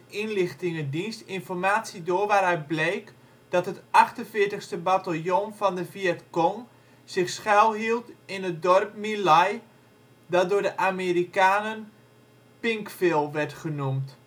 inlichtingendienst informatie door waaruit bleek dat het 48e bataljon van de Vietcong zich schuilhield in het dorp My Lai, dat door de Amerikanen " Pinkville " werd genoemd